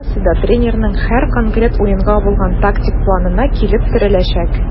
Барысы да тренерның һәр конкрет уенга булган тактик планына килеп терәләчәк.